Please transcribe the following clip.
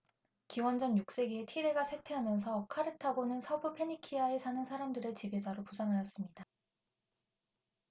기원전 육 세기에 티레가 쇠퇴하면서 카르타고는 서부 페니키아에 사는 사람들의 지배자로 부상하였습니다